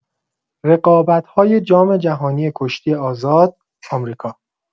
رقابت‌های جام‌جهانی کشتی آزاد-آمریکا